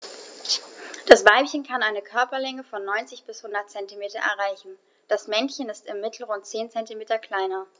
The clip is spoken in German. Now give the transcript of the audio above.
Das Weibchen kann eine Körperlänge von 90-100 cm erreichen; das Männchen ist im Mittel rund 10 cm kleiner.